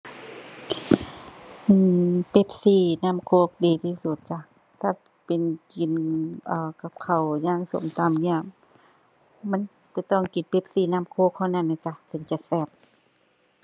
อือ Pepsi น้ำโค้กดีที่สุดจ้ะ ถ้าเป็นกิน เอ่อ กับข้าวอย่างส้มตำเนี่ย มันจะต้องกิน Pepsi น้ำโค้กเท่านั้นอะจ้ะ ถึงจะแซ่บ